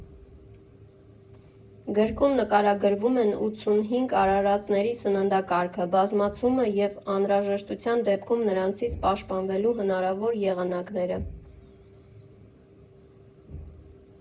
Գրքում նկարագրվում են ութսունհինգ արարածների սննդակարգը, բազմացումը և անհրաժեշտության դեպքում նրանցից պաշտպանվելու հնարավոր եղանակները։